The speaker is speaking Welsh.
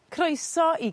Croeso i...